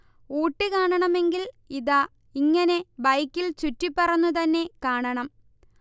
ഊട്ടി കാണണമെങ്കിൽ ഇതാ, ഇങ്ങിനെ ബൈക്കിൽ ചുറ്റിപ്പറന്നു തന്നെ കാണണം